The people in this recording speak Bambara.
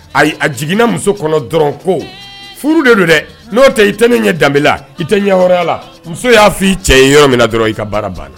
Ayi a jiginna muso kɔnɔ dɔrɔn ko furu de don dɛ n'o tɛ i tɛ ne ɲɛ danbe i tɛ ɲɛ wɛrɛya la muso y'a fɔ' i cɛ in yɔrɔ min dɔrɔn i ka baara baara la